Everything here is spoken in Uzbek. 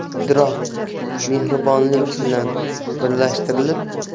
aql idrok mehribonlik bilan birlashtirilib